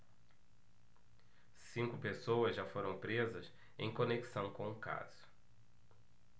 cinco pessoas já foram presas em conexão com o caso